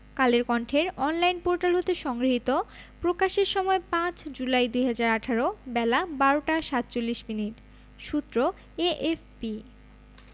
কালের কন্ঠের online portal হতে সংগৃহীত প্রকাশের সময় ৫ জুলাই ২০১৮ বেলা ১২টা ৪৭ মিনিট সূত্র এএফপি